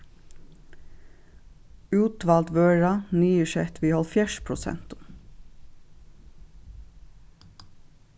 útvald vøra niðursett við hálvfjerðs prosentum